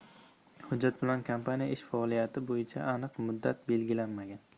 hujjat bilan kompaniya ish faoliyati bo'yicha aniq muddat belgilanmagan